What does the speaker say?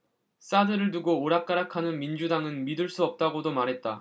사드를 두고 오락가락하는 민주당은 믿을 수 없다고도 말했다